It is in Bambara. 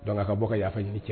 Dɔn ka bɔ ka yafaa ɲini cɛ